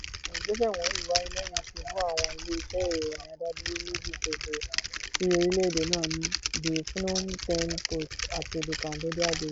Àwọn ìgbésẹ̀ wọ̀nyìí wáyé lẹ́yìn ìṣubú àwọn ilé-iṣẹ́ ìròyìn adádúró méjì ṣoṣo tí orílẹ̀-èdè náà ní — The Phnom Pehn Post àti The Cambodia Daily.